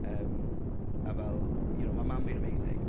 Yym, a fel you know mae mam fi'n amazing.